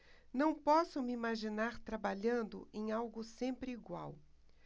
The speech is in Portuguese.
não posso me imaginar trabalhando em algo sempre igual